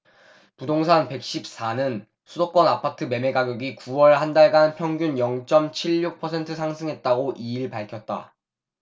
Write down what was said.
부동산 백 십 사 는 수도권 아파트 매매가격이 구 월 한달간 평균 영 쩜 칠 육 퍼센트 상승했다고 이 일 밝혔다